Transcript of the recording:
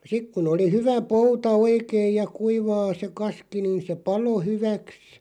sitten kun oli hyvä pouta oikein ja kuivaa se kaski niin se paloi hyväksi